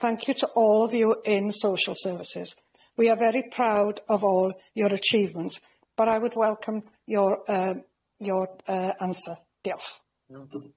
Thank you to all of you in social services. We are very proud of all your achievements but I would welcome your yy your yy answer. Diolch.